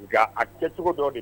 Nka a kɛcogo dɔrɔn de